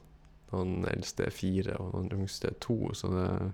Han eldste er fire og han yngste er to, så det...